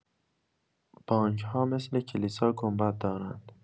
بانک‌ها مثل کلیسا گنبد دارند.